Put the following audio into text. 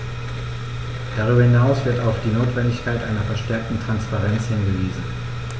Darüber hinaus wird auf die Notwendigkeit einer verstärkten Transparenz hingewiesen.